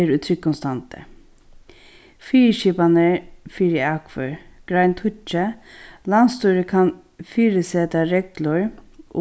er í tryggum standi fyriskipanir fyri akfør grein tíggju landsstýrið kann fyriseta reglur